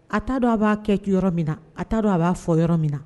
A'a don a b'a kɛ yɔrɔ min na a'a don a b'a fɔ yɔrɔ min